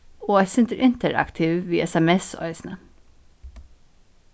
og eitt sindur interaktiv við sms eisini